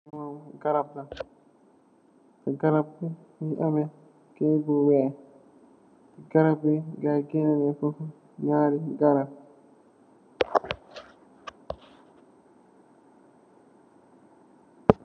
Li garap la, garap ngi mugii ameh kayit gu wèèx . Garap ngi guyi gèneh nen ci ñaari garap.